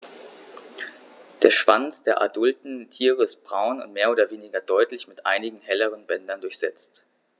Der Schwanz der adulten Tiere ist braun und mehr oder weniger deutlich mit einigen helleren Bändern durchsetzt.